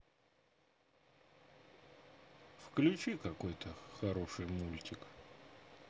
включи какой то хороший мультик